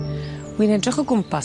Wi'n edrych o gwmpas...